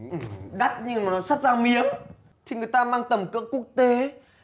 đắt nhưng mà nó xắt ra miếng thì người ta mang tầm cỡ quốc tế